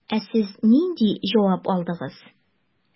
Ә сез нинди җавап алдыгыз?